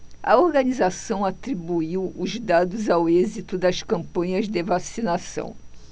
a organização atribuiu os dados ao êxito das campanhas de vacinação